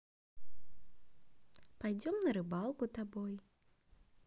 пойдем на рыбалку тобой